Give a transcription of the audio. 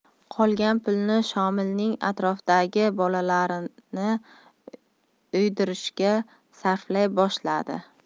qolgan pulni shomilning atrofidagi bolalarni iydirishga sarflay boshladi